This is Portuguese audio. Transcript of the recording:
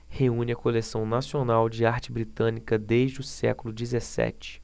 reúne a coleção nacional de arte britânica desde o século dezessete